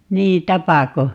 niin tapako